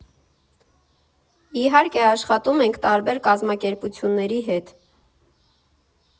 Իհարկե, աշխատում ենք տարբեր կազմակերպությունների հետ։